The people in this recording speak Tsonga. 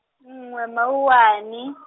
n'we Mawuwani.